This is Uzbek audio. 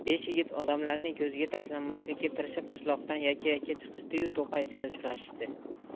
besh yigit odamlarning ko'ziga tashlanmaslikka tirishib qishloqdan yakka yakka chiqishdi yu to'qay ichida uchrashishdi